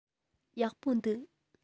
ཡག པོ འདུག